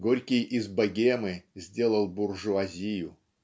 Горький из богемы сделал буржуазию.